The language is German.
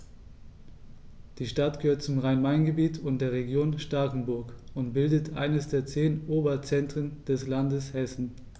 Die Stadt gehört zum Rhein-Main-Gebiet und der Region Starkenburg und bildet eines der zehn Oberzentren des Landes Hessen.